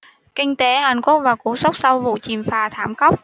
kinh tế hàn quốc và cú sốc sau vụ chìm phà thảm khốc